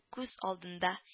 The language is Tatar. Күз алдында